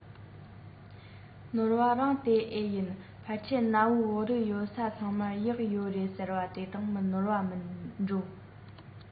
ནོར བ རང ད ཨེ ཡིན ཕལ ཆེར གནའ བོའི བོད རིགས ཡོད ས ཚང མར གཡག ཡོད རེད ཟེར བ དེ དང ནོར བ མིན འགྲོ